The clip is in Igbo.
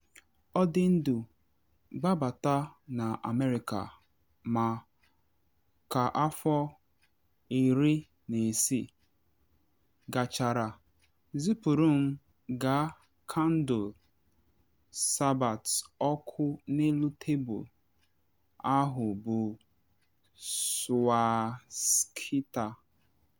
Ọ dị ndụ, gbabata na America ma, ka afọ 60 gachara, zipuru m gaa kandụl Sabbath ọkụ n’elu tebul ahụ bụ swastika.